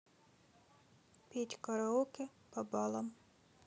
петь караоке по баллам